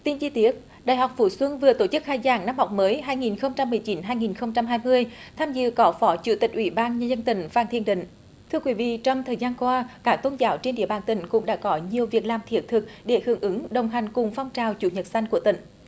tin chi tiết đại học phú xuân vừa tổ chức khai giảng năm học mới hai nghìn không trăm mười chín hai nghìn không trăm hai mươi tham dự có phó chủ tịch ủy ban nhân dân tỉnh phan thiên định thưa quý vị trong thời gian qua các tôn giáo trên địa bàn tỉnh cũng đã có nhiều việc làm thiết thực để hưởng ứng đồng hành cùng phong trào chủ nhật xanh của tỉnh